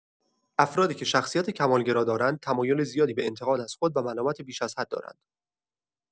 افرادی که شخصیت کمال‌گرا دارند، تمایل زیادی به انتقاد از خود و ملامت بیش‌ازحد دارند.